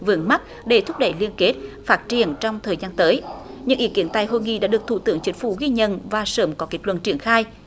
vướng mắc để thúc đẩy liên kết phát triển trong thời gian tới những ý kiến tại hội nghị đã được thủ tướng chính phủ ghi nhận và sớm có kết luận triển khai